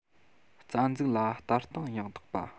རྩ འཛུགས ལ ལྟ སྟངས ཡང དག པ